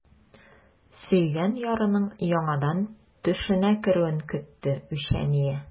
Сөйгән ярының яңадан төшенә керүен көтте үчәния.